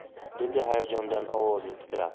dedi hayajondan ovozi titrab